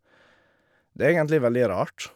Det er egentlig veldig rart.